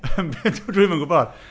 be dw- dwi'm yn gwbod.